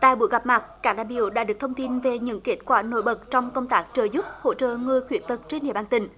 tại buổi gặp mặt các đại biểu đã được thông tin về những kết quả nổi bật trong công tác trợ giúp hỗ trợ người khuyết tật trên địa bàn tỉnh